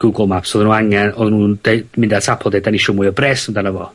Google Map odden nw angen o'n nw'n deud mynd at Apple deud 'dan ni isio mwy o bres amdano.